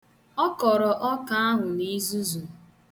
Ọ kọrọ ọka ahụ n' izuzu.